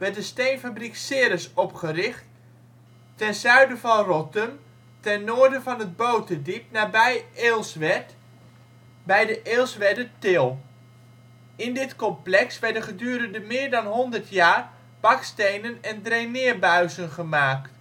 de steenfabriek Ceres opgericht ten zuiden van Rottum, ten noorden van het Boterdiep nabij Eelswerd (bij de Eelswerdertil). In dit complex werden gedurende meer dan 100 jaar bakstenen en draineerbuizen gemaakt